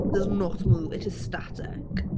It does not move. It's just static.